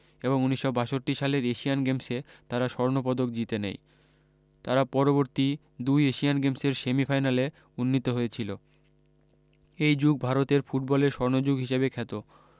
এবং উনিশশ বাষট্টি সালের এশিয়ান গেমসে তারা স্বরণ পদক জিতে নেয় তারা পরবর্তী দুই এশিয়ান গেমসের সেমি ফাইনালে উন্নীত হয়েছিলো এই যুগ ভারতের ফুটবলের স্বর্ণযুগ হিসেবে খ্যাত